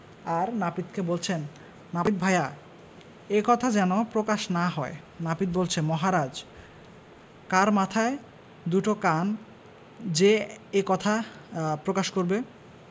আর নাপিতকে বলছেন নাপিত ভায়া এ কথা যেন প্রকাশ না হয় নাপিত বলছে মহারাজ কার মাথায় দুটো কান যে এ কথা প্রকাশ করবে